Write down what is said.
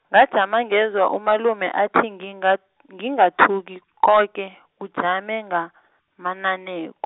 ngajama ngezwa umalume athi nginga- ngingathuki koke kujame ngamananeko.